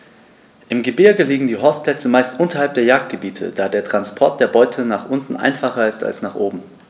Im Gebirge liegen die Horstplätze meist unterhalb der Jagdgebiete, da der Transport der Beute nach unten einfacher ist als nach oben.